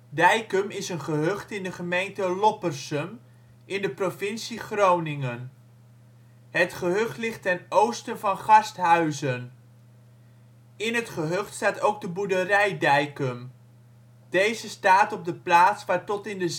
Dijkum is een gehucht in de gemeente Loppersum in de provincie Groningen. Het gehucht ligt ten oosten van Garsthuizen. In het gehucht staat ook de boerderij Dijkum. Deze staat op de plaats waar tot in de